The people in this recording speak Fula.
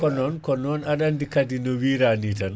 ko non ko non aɗa andi kaadi no wirani tan